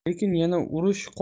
lekin yana urush qon